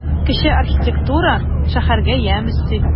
Кече архитектура шәһәргә ямь өсти.